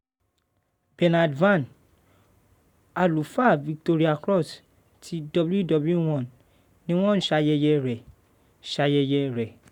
Bernard Vann: Àlùfàá Victoria Cross ti WW1 ní wọ́n ṣayẹyẹ rẹ̀ ṣayẹyẹ rẹ̀